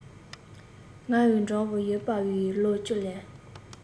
ངའི འགྲམ དུ ཡོད པའི ལོ བཅུ ལས